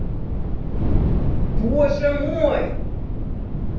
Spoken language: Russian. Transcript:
боже мой